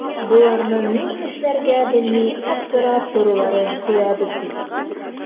Боларның ни эшләргә белми аптырап торуларын күрәбез бит.